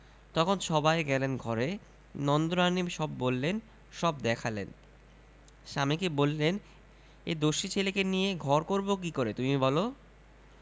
তখন সবাই গেলেন ঘরে নন্দরানী সব বললেন সব দেখালেন স্বামীকে বললেন এ দস্যি ছেলেকে নিয়ে ঘর করব কি করে তুমি বল